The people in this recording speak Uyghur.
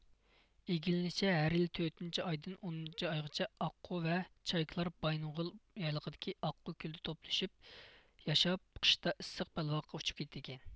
ئىگىلىنىشچە ھەر يىلى تۆتىنچى ئايدىن ئونىنچى ئايغىچە ئاققۇ ۋە چايكىلار بايىنغولىن يايلىقىدىكى ئاققۇ كۆلىدە توپلىشىپ ياشاپ قىشتا ئىسسىق بەلبۋاغقا ئۇچۇپ كېتىدىكەن